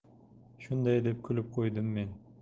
shunday deb kulib qo'ydim men